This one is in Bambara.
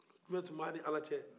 kile tun b'a ni ala cɛ